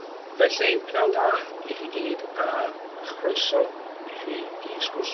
Felly pnawn da i chi gyd, a chroeso i chi i sgwrs